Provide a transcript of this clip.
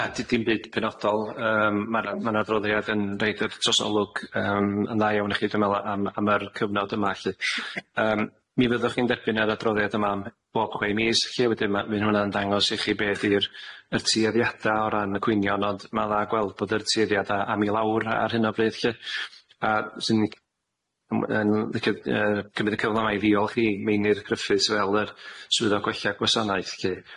Na 'di dim byd penodol, yym ma' 'na ma' 'na ddroddiad yn roid y trosolwg yym yn dda iawn i chi dwi me'wl am am yr cyfnod yma 'lly yym. Mi fyddwch chi'n derbyn yr adroddiad yma am bob chwe mis 'lly a wedyn ma' ma' hwnna'n dangos i chi beth yw'r y tueddiada' o ran y cwynion ond ma' dda gweld bod yr tueddiada' am i lawr ar hyn o bryd 'lly, a 'swn i'n yn licio yy cymryd y cyfla yma i ddiolch i Meinir Gruffydd fel yr swyddog gwella gwasanaeth 'lly.